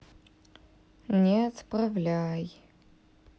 не отправляй